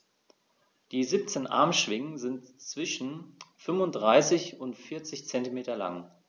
Die 17 Armschwingen sind zwischen 35 und 40 cm lang.